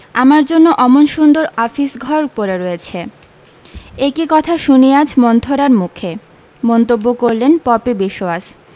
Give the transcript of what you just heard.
আমার জন্য অমন সুন্দর আফিস ঘর পড়ে রয়েছে একি কথা শুনি আজ মন্থরার মুখে মন্তব্য করলেন পপি বিশোয়াস